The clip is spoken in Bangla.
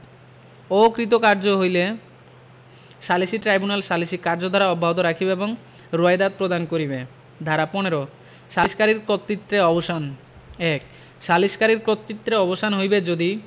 অকৃতকার্য হইলে সালিসী ট্রাইব্যুনাল সালিসী কার্যধারা অব্যাহত রাখিবে এবং রোয়েদাদ প্রদান করিবে ধারা ১৫ সালিসকারীর কর্তৃত্বের অবসানঃ ১ সালিসকারীর কর্তৃত্বের অবসান হইবে যদি